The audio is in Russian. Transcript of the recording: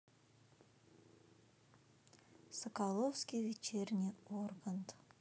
соколовский вечерний ургант